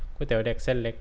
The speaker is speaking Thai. ก๋วยเตี๋ยวเด็กเส้นเล็ก